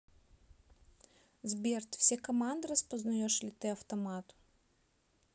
сбер ты все команды распознаешь или ты автомат